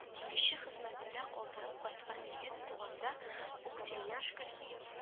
Диңгезче хезмәтендә калдырып кайткан егет туганда ук тельняшка киеп